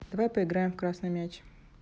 давай поиграем в красный мяч